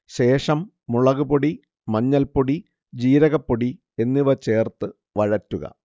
ശേഷം മുളക്പൊടി, മഞ്ഞൾപ്പൊടി, ജീരകപ്പൊടി എന്നിവ ചേർത്ത് വഴറ്റുക